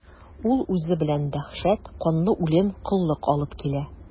Ул үзе белән дәһшәт, канлы үлем, коллык алып килә.